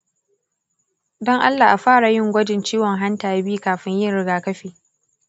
don allah a fara yin gwajin ciwon hanta b kafin yin rigakafi.